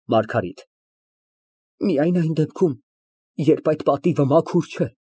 ՄԱՐԳԱՐԻՏ ֊ Միայն այն դեպքում, եթե այդ պատիվը մաքուր չէ։